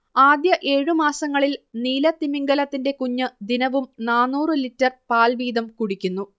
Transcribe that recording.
ആദ്യ ഏഴു മാസങ്ങളിൽ നീലത്തിമിംഗിലത്തിന്റെ കുഞ്ഞ് ദിനവും നാന്നൂറ് ലിറ്റർ പാൽ വീതം കുടിക്കുന്നു